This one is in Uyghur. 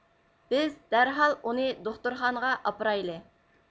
بىز دەرھال ئۇنى دوختۇرخانىغا ئاپىرايلى